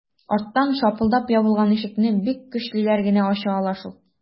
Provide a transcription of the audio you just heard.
Арттан шапылдап ябылган ишекне бик көчлеләр генә ача ала шул...